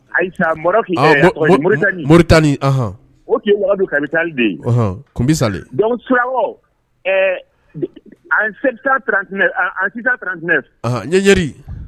Ayisafin tan ni o wagadu kabi taa sa sirati tti ne ɲɛri